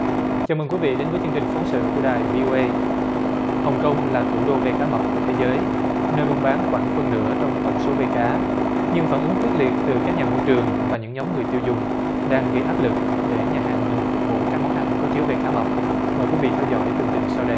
chào mừng quý vị đến với chương trình phóng sự của đài vi ô ây hồng công là thủ đô về cá mập của thế giới nơi buôn bán khoảng phân nửa trong tổng số vây cá nhưng phản ứng quyết liệt từ các nhà môi trường và những nhóm người tiêu dùng đang gây áp lực để nhà hàng ngừng phục vụ các món ăn có chứa vây cá mập mời quý vị theo dõi tường trình sau đây